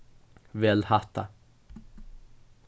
vel hatta